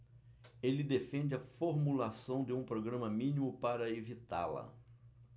ele defende a formulação de um programa mínimo para evitá-la